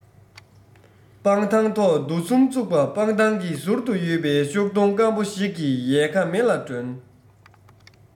སྤང ཐང ཐོག རྡོ གསུམ བཙུགས པ སྤང ཐང གི ཟུར དུ ཡོད པའི ཤུག སྡོང སྐམ པོ ཞིག གི ཡལ ག མེ ལ སྒྲོན